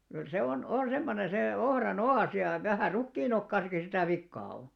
kyllä se on on semmoinen se ohran oas ja vähän rukiin okaassakin sitä vikaa on